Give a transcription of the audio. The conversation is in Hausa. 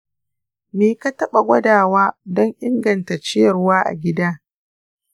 me ka taɓa gwadawa don inganta ciyarwa a gida?